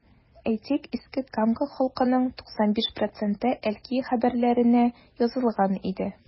Әйтик, Иске Камка халкының 95 проценты “Әлки хәбәрләре”нә язылган инде.